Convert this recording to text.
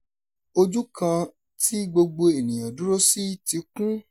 Ojú kan tí gbogbo ènìyàn dúró sí ti kún.